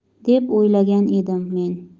deb o'ylagan edim men